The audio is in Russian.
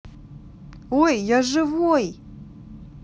ой я живой